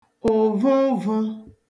ụ̀vụvụ̄